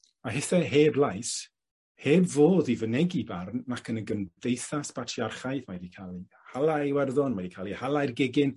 A hithe heb lais, heb fodd i fynegi barn nac yn y gymdeithas batriarchaidd mae 'di ca'l 'i hala i Iwerddon mae 'di ca'l 'i hala i'r gegin.